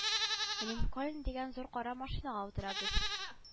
Линкольн дигән зур кара машинага утырабыз